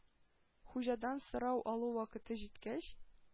Хуҗадан сорау алу вакыты җиткәч,